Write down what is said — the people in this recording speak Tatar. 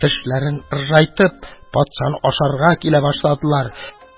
Тешләрен ыржайтып, патшаны ашарга килә башладылар.